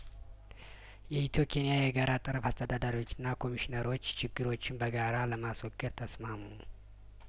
የኢትዮ ኬንያ የጋራ ጠረፍ አስተዳዳሪዎችና ኮሚሽነሮች ችግሮችን በጋራ ለማስወገድ ተስማሙ